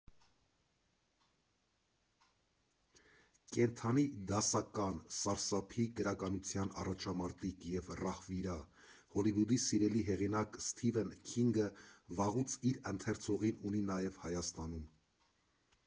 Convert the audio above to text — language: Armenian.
Կենդանի դասական, սարսափի գրականության առաջամարտիկ և ռահվիրա, Հոլիվուդի սիրելի հեղինակ Սթիվեն Քինգը վաղուց իր ընթերցողին ունի նաև Հայաստանում։